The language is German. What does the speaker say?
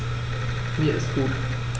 Mir ist gut.